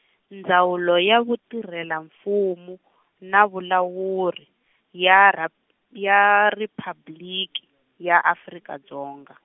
Ndzawulo ya Vutirhela-Mfumo na Vulawuri ya rap-, ya Riphabliki ya Afrika Dzonga.